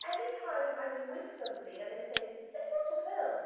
Any time I'm with somebody and they say; let's watch a film"."